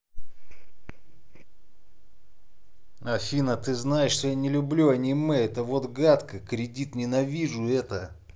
афина ты знаешь что я не люблю аниме это вот гадко кредит ненавижу это